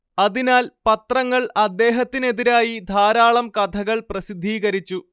അതിനാൽ പത്രങ്ങൾ അദ്ദേഹത്തിനെതിരായി ധാരാളം കഥകൾ പ്രസിദ്ധീകരിച്ചു